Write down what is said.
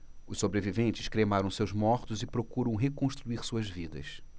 os sobreviventes cremaram seus mortos e procuram reconstruir suas vidas